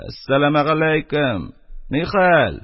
Әссәламегаләйкем, нихәл?